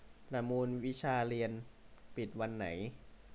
ประมูลวิชาเรียนปิดวันไหน